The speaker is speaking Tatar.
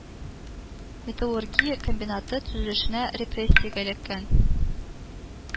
Металлургия комбинаты төзелешенә репрессиягә эләккән